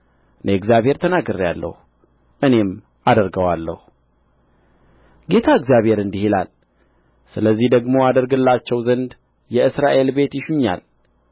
እኔ እግዚአብሔር ተናግሬአለሁ እኔም አደርገዋለሁ ጌታ እግዚአብሔር እንዲህ ይላል ስለዚህ ደግሞ አደርግላቸው ዘንድ የእስራኤል ቤት ይሹኛል